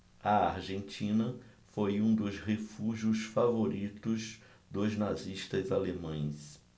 a argentina foi um dos refúgios favoritos dos nazistas alemães